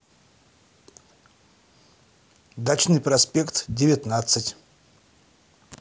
дачный проспект девятнадцать